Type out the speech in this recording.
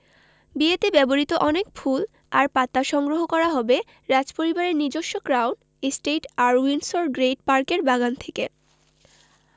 বিয়েতে ব্যবহৃত অনেক ফুল আর পাতা সংগ্রহ করা হবে রাজপরিবারের নিজস্ব ক্রাউন এস্টেট আর উইন্ডসর গ্রেট পার্কের বাগান থেকে